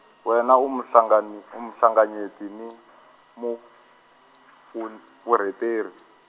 wena u muhlanganye- u muhlanganyeti ni , muvhun- -vhureteri.